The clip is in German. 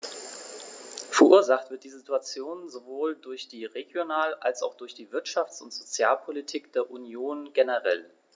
Verursacht wird diese Situation sowohl durch die Regional- als auch durch die Wirtschafts- und Sozialpolitik der Union generell.